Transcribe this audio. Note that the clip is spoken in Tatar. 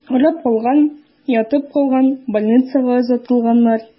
Арып калган, ятып калган, больницага озатылганнар.